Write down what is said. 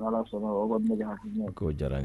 N'Ala sɔnna o kɔni ye ne hakilila ye